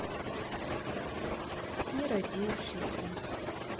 не родившийся